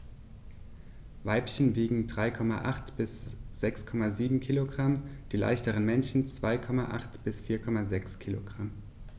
Weibchen wiegen 3,8 bis 6,7 kg, die leichteren Männchen 2,8 bis 4,6 kg.